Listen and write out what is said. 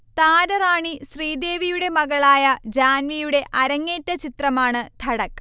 താരറാണി ശ്രീദേവിയുടെ മകളായ ജാൻവിയുടെ അരങ്ങേറ്റ ചിത്രമാണ് ധഡക്